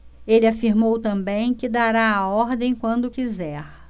ele afirmou também que dará a ordem quando quiser